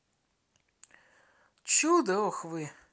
чудо ох вы